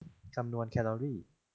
คำนวณแคลอรี่